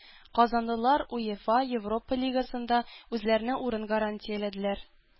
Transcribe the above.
Казанлылар УЕФА Европа Лигасында үзләренә урын гарантияләделәр.